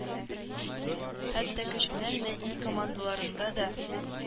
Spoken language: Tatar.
Хәтта кечкенә генә ил командаларында да